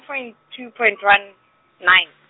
point two point one nine.